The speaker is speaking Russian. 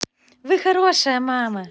вы хорошая мама